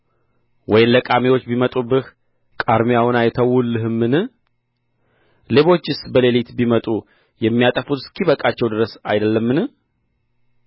ወይን ለቃሚዎች ቢመጡብህ ቃርሚያውን አይተውልህምን ሌቦችስ በሌሊት ቢመጡ የሚያጠፉት እስኪበቃቸው ድረስ አይደለምን